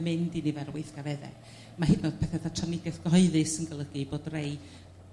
mynd i nifer o weithgaredde. Ma' hyd yn o'd pethe 'tha trafniadi'eth gyhoeddus yn golygu bod rei